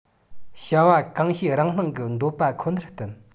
བྱ བ གང བྱེད རང སྣང གི འདོད པ ཁོ ནར བསྟུན